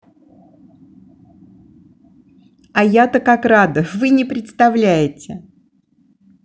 а я то как рада вы не представляете